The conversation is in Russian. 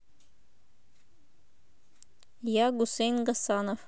я гусейн гасанов